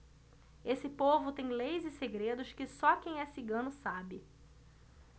esse povo tem leis e segredos que só quem é cigano sabe